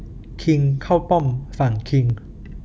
คิงเข้าป้อมฝั่งคิง